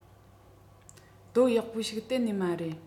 རྡོ ཡག པོ ཞིག གཏན ནས མ རེད